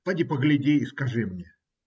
- Поди погляди и скажи мне.